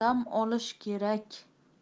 dam olish kerak